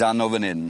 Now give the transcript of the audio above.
Dan o fyn 'yn.